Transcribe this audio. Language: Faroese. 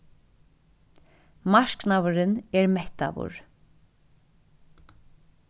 marknaðurin er mettaður